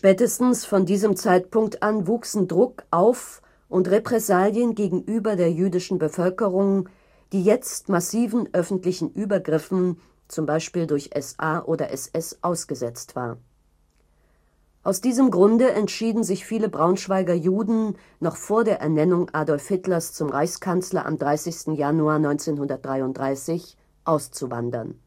Spätestens von diesem Zeitpunkt an wuchsen Druck auf und Repressalien gegenüber der jüdischen Bevölkerung, die jetzt massiven öffentlichen Übergriffen z. B. durch SA oder SS ausgesetzt war. Aus diesem Grunde entschieden sich viele Braunschweiger Juden noch vor der Ernennung Adolf Hitlers zum Reichskanzler am 30. Januar 1933, auszuwandern